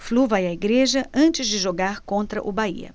flu vai à igreja antes de jogar contra o bahia